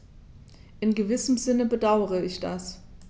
In gewissem Sinne bedauere ich das.